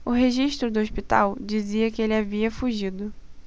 o registro do hospital dizia que ele havia fugido